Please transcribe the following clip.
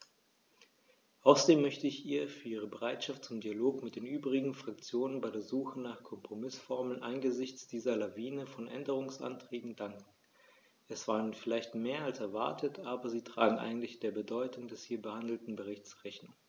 Außerdem möchte ich ihr für ihre Bereitschaft zum Dialog mit den übrigen Fraktionen bei der Suche nach Kompromißformeln angesichts dieser Lawine von Änderungsanträgen danken; es waren vielleicht mehr als erwartet, aber sie tragen eigentlich der Bedeutung des hier behandelten Berichts Rechnung.